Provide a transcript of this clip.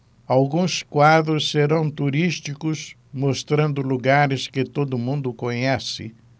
alguns quadros serão turísticos mostrando lugares que todo mundo conhece